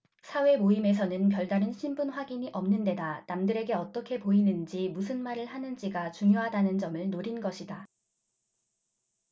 사회모임에서는 별다른 신분 확인이 없는 데다 남들에게 어떻게 보이는지 무슨 말을 하는지가 중요하다는 점을 노린 것이다